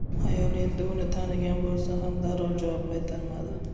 ayol endi uni tanigan bo'lsa ham darrov javob qaytarmadi